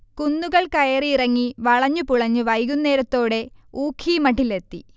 കുന്നുകൾ കയറിയിറങ്ങി, വളഞ്ഞ് പുളഞ്ഞ് വൈകുന്നേരത്തോടെ ഊഖീമഠിലെത്തി